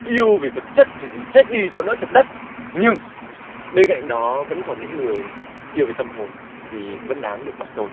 yêu vì vật chất thì chết đi cho đỡ chật đất nhưng bên cạnh đó vẫn còn những người yêu vì tâm hồn thì vẫn đáng được bảo tồn